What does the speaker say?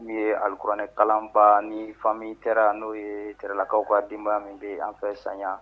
Min ye alikuranɛ kalanba ni fami kɛra n'o ye tlakaw ka denbaya min bɛ an fɛ san